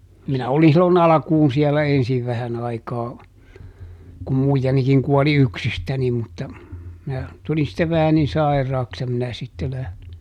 minä olin silloin alkuun siellä ensin vähän aikaa kun muijanikin kuoli yksistäni mutta minä tulin sitten vähän niin sairaaksi ja minä sitten lähdin